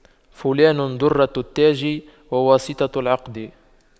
فلان دُرَّةُ التاج وواسطة العقد